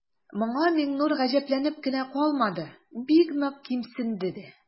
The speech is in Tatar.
Моңа Миңнур гаҗәпләнеп кенә калмады, бик нык кимсенде дә.